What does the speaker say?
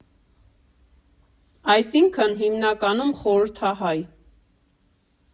Այսինքն՝ հիմնականում խորհրդահայ։